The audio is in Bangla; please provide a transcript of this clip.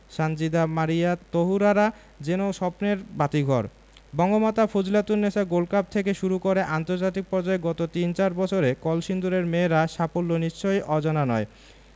সানজিদা মারিয়া তহুরারা যেন স্বপ্নের বাতিঘর বঙ্গমাতা ফজিলাতুন্নেছা গোল্ড কাপ থেকে শুরু করে আন্তর্জাতিক পর্যায়ে গত তিন চার বছরে কলসিন্দুরের মেয়েরা সাফল্য নিশ্চয়ই অজানা নয়